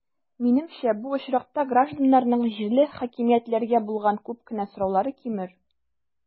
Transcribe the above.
Минемчә, бу очракта гражданнарның җирле хакимиятләргә булган күп кенә сораулары кимер.